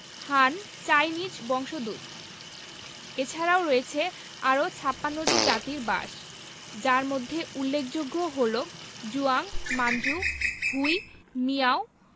হান Chinese বংশোদূত এছারাও রয়েছে আরও ৫৬ টি জাতির বাস যার মধ্যে উল্লেখযোগ্য হলো জুয়াং মাঞ্ঝু হুই মিয়াও